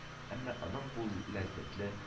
Әмма аның бу ләззәтле